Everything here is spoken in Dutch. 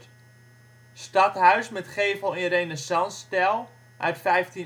Stadhuis met gevel in renaissancestijl, uit 1588